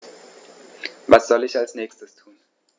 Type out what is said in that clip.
Was soll ich als Nächstes tun?